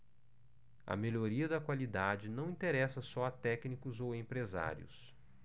a melhoria da qualidade não interessa só a técnicos ou empresários